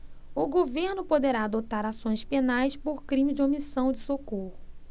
o governo poderá adotar ações penais por crime de omissão de socorro